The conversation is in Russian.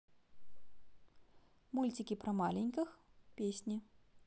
мультики для маленьких песни